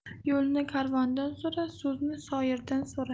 yo'lni karvondan so'ra so'zni soyirdan so'ra